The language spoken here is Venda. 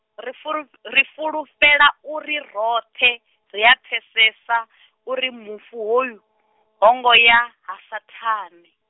ri fulu- ri fulufhela uri roṱhe, ria pfesesa , uri mufu hoyu, ho ngo ya, ha Saṱhane.